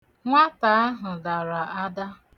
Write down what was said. Nwata ahụ dara ada.